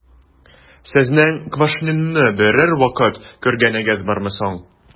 Сезнең Квашнинны берәр вакыт күргәнегез бармы соң?